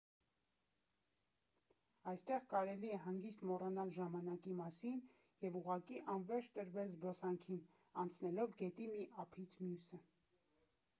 Այստեղ կարելի է հանգիստ մոռանալ ժամանակի մասին և ուղղակի անվերջ տրվել զբոսանքին՝ անցնելով գետի մի ափից մյուսը։